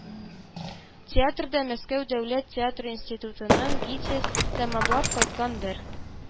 Театрда мәскәү дәүләт театр институтын (гитис) тәмамлап кайткан бер